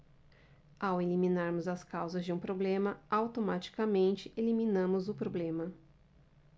ao eliminarmos as causas de um problema automaticamente eliminamos o problema